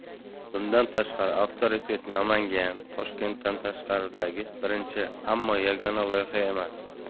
bundan tashqari avtoritet namangan toshkentdan tashqaridagi birinchi ammo yagona loyiha emas